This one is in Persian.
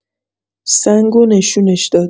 سنگو نشونش داد.